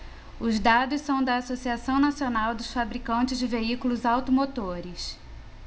os dados são da anfavea associação nacional dos fabricantes de veículos automotores